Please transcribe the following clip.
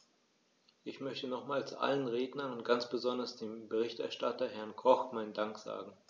Ich möchte nochmals allen Rednern und ganz besonders dem Berichterstatter, Herrn Koch, meinen Dank sagen.